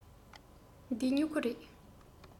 འདི སྨྲུ གུ རེད